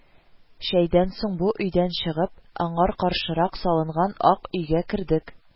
Чәйдән соң бу өйдән чыгып, аңар каршырак салынган ак өйгә кердек